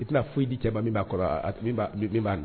I tɛna foyi di cɛ min b'a kɔrɔ b'a